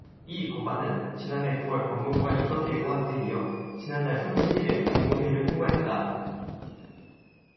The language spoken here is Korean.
이 법안은 지난해 구 월 법무부가 입법예고한데 이어 지난달 삼십 일 일 국무회의를 통과했다